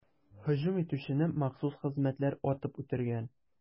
Һөҗүм итүчене махсус хезмәтләр атып үтергән.